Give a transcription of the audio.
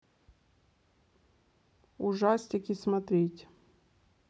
ужастики смотреть